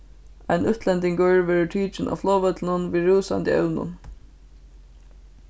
ein útlendingur verður tikin á flogvøllinum við rúsandi evnum